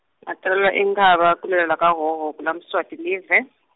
Ngatalelwa eNkhaba kulela lakaHhohho kulaMswati live.